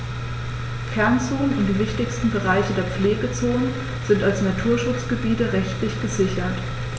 Kernzonen und die wichtigsten Bereiche der Pflegezone sind als Naturschutzgebiete rechtlich gesichert.